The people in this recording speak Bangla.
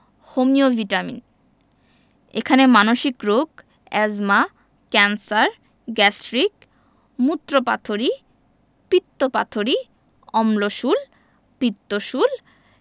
হোমিও ভিটামিন এখানে মানসিক রোগ এ্যজমা ক্যান্সার গ্যাস্ট্রিক মুত্রপাথড়ী পিত্তপাথড়ী অম্লশূল পিত্তশূল